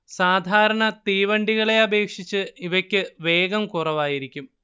സാധാരണ തീവണ്ടികളെ അപേക്ഷിച്ച് ഇവക്ക് വേഗം കുറവായിരിക്കും